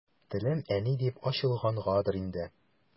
Телем «әни» дип ачылгангадыр инде.